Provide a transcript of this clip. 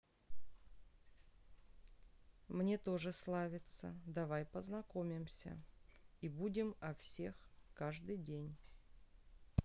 мне тоже славится давай познакомимся и будем о всех каждый день